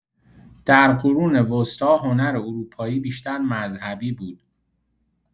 در قرون وسطی هنر اروپایی بیشتر مذهبی بود.